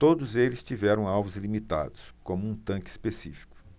todos eles tiveram alvos limitados como um tanque específico